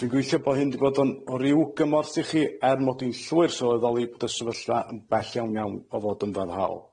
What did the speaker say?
Dwi'n gobeithio bo' hyn 'di bod o'n- o ryw gymorth i chi, er mod i'n llwyr sylweddoli bod y sefyllfa yn bell iawn iawn o fod yn foddhaol.